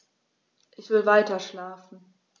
Ich will weiterschlafen.